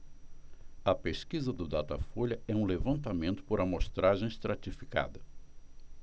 a pesquisa do datafolha é um levantamento por amostragem estratificada